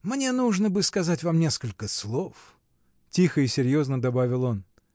— Мне нужно бы сказать вам несколько слов. — тихо и серьезно добавил он.